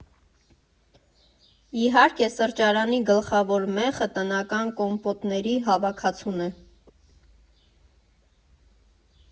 Իհարկե, սրճարանի գլխավոր մեխը տնական կոմպոտների հավաքածուն է։